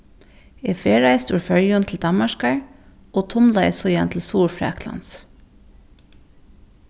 eg ferðaðist úr føroyum til danmarkar og tumlaði síðani til suðurfraklands